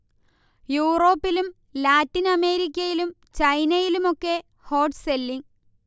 യൂറോപ്പിലും ലാറ്റിൻ അമേരിക്കയിലും ചൈനയിലുമൊക്കെ ഹോട്ട് സെല്ലിങ്